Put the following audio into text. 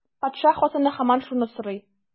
Патша хатыны һаман шуны сорый.